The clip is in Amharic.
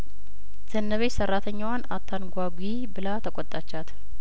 ዘነበች ሰራተኛዋን አታንጓጉ ብላ ተቆጣቻት